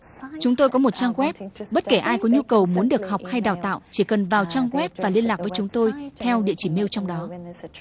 chúng tôi có một trang quét bất kể ai có nhu cầu muốn được học hay đào tạo chỉ cần vào trang quét và liên lạc với chúng tôi theo địa chỉ mêu trong đó